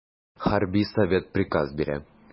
Хәрби совет приказ бирә.